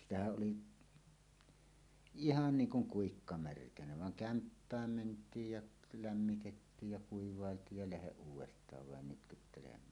sitähän oli ihan niin kuin kuikka märkänä vaan kämppään mentiin ja lämmitettiin ja kuivailtiin ja lähde uudestaan vain nytkyttelemään